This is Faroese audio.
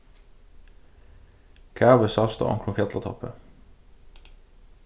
kavi sæst á onkrum fjallatoppi